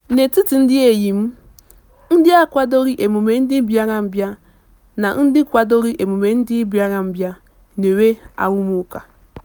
N'etiti ndị enyi m, ndị n'akwadoghị emume ndị mbịarambịa na ndị kwadoro emume ndị mbịarambịa na-enwe arụmụka.